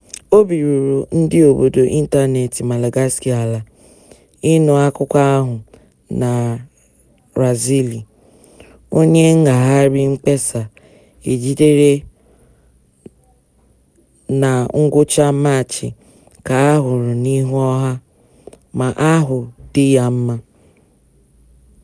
Obi ruru ndị obodo ịntaneetị Malagasy ala ịnụ akụkọ ahụ na Razily, onye ngagharị mkpesa e jidere na ngwụcha Maachị, ka a hụrụ n'ihu ọha (fr) ma ahụ dị ya mma.